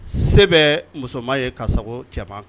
Se bɛ musoman ye ka sago cɛman